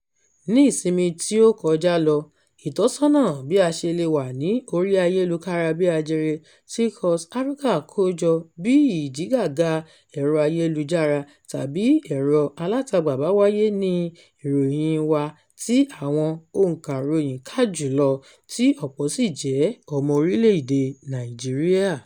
Ní ìsinmi tí ó kọjá lọ, ìtọ́sọ́nà bí a ṣe lè wà ní orí ayélukára-bí-ajere ti Quartz Africa kó jọ bí ìdígàgá ẹ̀rọ-ayélujára tàbí ẹ̀rọ-alátagbà bá wáyé ni ìròyìn-in wá tí àwọn òǹkàròyìn kà jù lọ, tí ọ̀pọ̀ sì jẹ́ ọmọ orílẹ̀-èdè Nàìjíríà.